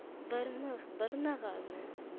bir mix bir nag'alni